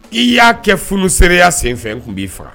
I ya kɛ funusereya senfɛ n kun bi faga.